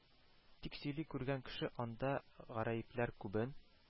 Тик сөйли күргән кеше анда гараибләр күбен,